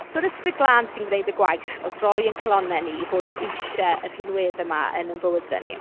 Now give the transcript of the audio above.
So'r Ysbryd Glân sy'n gwneud y gwaith o droi ein calonnau ni i fod eisie y rhinweddau 'ma yn ein bywydau ni.